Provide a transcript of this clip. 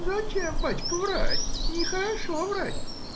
— Зачем, бачка, врать, нехорошо врать.